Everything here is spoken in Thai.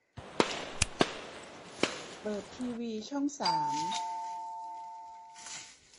เปิดทีวีช่องสาม